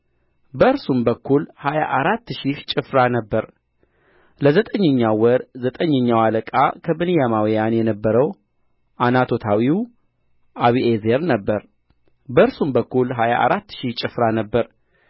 በእርሱም ክፍል ሀያ አራት ሺህ ጭፍራ ነበረ ለዘጠኝኛው ወር ዘጠኝኛው አለቃ ከብንያማውያን የነበረው ዓናቶታዊው አቢዔዜር ነበረ በእርሱም ክፍል ሀያ አራት ሺህ ጭፍራ ነበረ